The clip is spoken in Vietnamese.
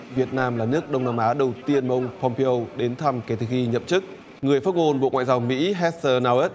việt nam là nước đông nam á đầu tiên mà ông pom pêu đến thăm kể từ khi nhậm chức người phát ngôn bộ ngoại giao mỹ hét dơ nao ớt